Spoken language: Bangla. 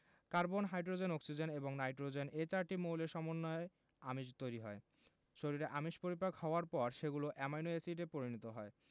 কার্বন হাইড্রোজেন অক্সিজেন এবং নাইট্রোজেন এ চারটি মৌলের সমন্বয়ে আমিষ তৈরি হয় শরীরে আমিষ পরিপাক হওয়ার পর সেগুলো অ্যামাইনো এসিডে পরিণত হয়